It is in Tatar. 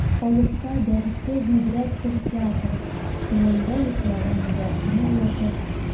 Халыкка дәрсе гыйбрәттер театр, күңелдә йоклаган дәртне уятыр.